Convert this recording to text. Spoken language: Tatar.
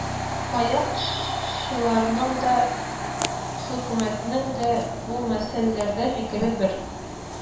«маяк»чыларның да, хөкүмәтнең дә бу мәсьәләдә фикере бер